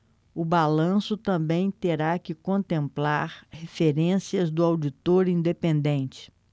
o balanço também terá que contemplar referências do auditor independente